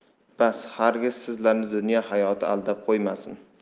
bas xargiz sizlarni dunyo hayoti aldab qo'ymasin